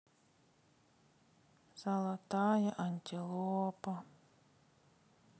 золотая антилопа